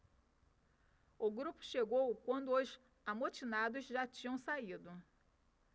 o grupo chegou quando os amotinados já tinham saído